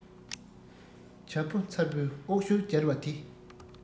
བྱ ཕོ མཚལ བུའི ཨོག ཞོལ སྦྱར བ དེ